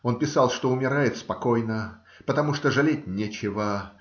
Он писал, что умирает спокойно, потому что жалеть нечего